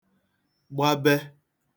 gbabe